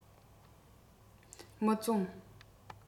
མི བཙོངས